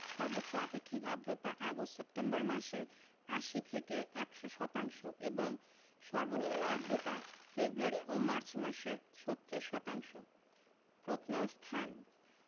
সর্বোচ্চ আপেক্ষিক আর্দ্রতা আগস্ট সেপ্টেম্বর মাসে ৮০ থেকে ১০০ শতাংশ এবং সর্বনিম্ন আর্দ্রতা ফেব্রুয়ারি ও মার্চ মাসে ৩৬ শতাংশ প্রত্নস্থানঃ